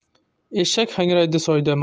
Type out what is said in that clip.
eshak hangraydi soyda